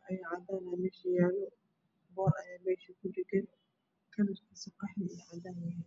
ah ayaa yaalo boor ayaa kudhagan oo cadeys ah.